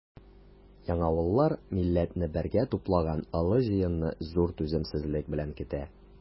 Яңавыллар милләтне бергә туплаган олы җыенны зур түземсезлек белән көтә.